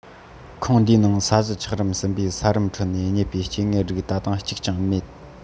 ཁོངས འདིའི ནང ས གཞི ཆགས རིམ གསུམ པའི ས རིམ ཁྲོད ནས རྙེད པའི སྐྱེ དངོས རིགས ད དུང གཅིག ཀྱང མེད